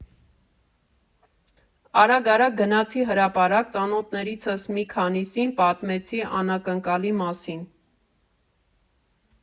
Արագ֊արագ գնացի հրապարակ, ծանոթներիցս մի քանիսին պատմեցի անակնկալի մասին։